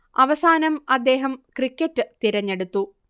അവസാനം അദ്ദേഹം ക്രിക്കറ്റ് തിരെഞ്ഞെടുത്തു